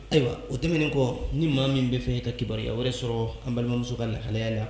Ayiwa o tɛmɛnen kɔ ni maa min bɛ fɛ ka kibaruyaya wɛrɛ sɔrɔ an balimamuso ka laya la